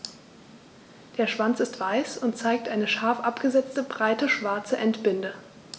Der Schwanz ist weiß und zeigt eine scharf abgesetzte, breite schwarze Endbinde.